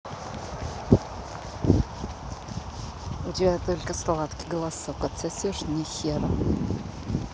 у тебя только сладкий голосок отсосешь мне hero